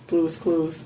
Blue's Clues.